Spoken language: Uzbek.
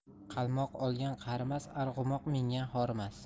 qalmoq olgan qarimas arg'umoq mingan horimas